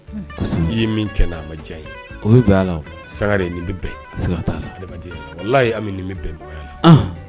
Unh kosɛbɛ i ye min kɛ na a ma diya n ye o be bɛn a la o Sangare nin bi bɛn siga t'a la adamadenya walahi Ami nin bi bɛn ɔnhɔn